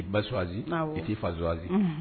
Ii ba suwaz i tɛi fasuali